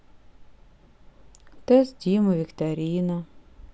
тест дима викторина